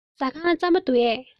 ཟ ཁང ལ རྩམ པ འདུག གས